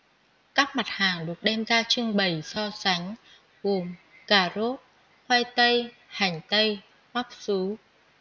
các mặt hàng được đem ra trưng bày so sánh gồm cà rốt khoai tây hành tây bắp sú